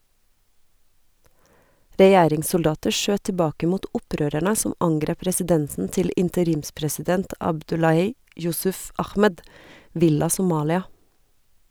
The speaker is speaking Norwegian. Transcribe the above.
Regjeringssoldater skjøt tilbake mot opprørerne som angrep residensen til interimspresident Abdullahi Yusuf Ahmed, Villa Somalia.